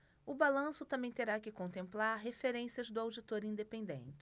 o balanço também terá que contemplar referências do auditor independente